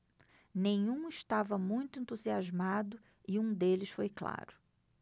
nenhum estava muito entusiasmado e um deles foi claro